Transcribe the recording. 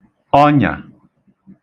ọnyà